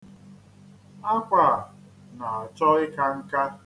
Akwa a na-achọ ịka nka.